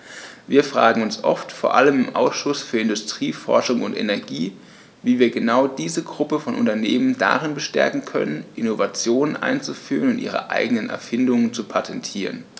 Wir fragen uns oft, vor allem im Ausschuss für Industrie, Forschung und Energie, wie wir genau diese Gruppe von Unternehmen darin bestärken können, Innovationen einzuführen und ihre eigenen Erfindungen zu patentieren.